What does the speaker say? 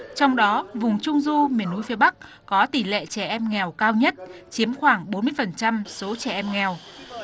trong đó vùng trung du miền núi phía bắc có tỷ lệ trẻ em nghèo cao nhất chiếm khoảng bốn mươi phần trăm số trẻ em nghèo